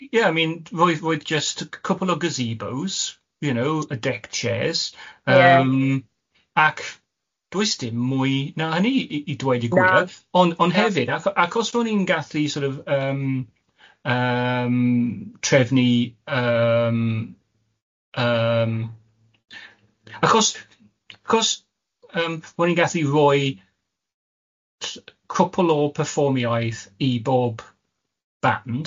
Ie, I mean, roi roi jyst cwpl o gazebos, you know, y deck chairs... Ie. ...yym ac does dim mwy na hynny i i dweud y gwir... Na. ...ond ond hefyd, ach- achos bo' ni'n gallu sort of yym yym trefnu yym yym achos achos yym bo' ni'n gallu roi cwpwl o pyrfformiaeth i bob band,